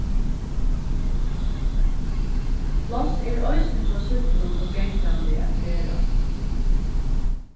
pláss er eisini hjá súkklum og gangandi at ferðast